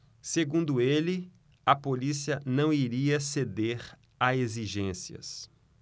segundo ele a polícia não iria ceder a exigências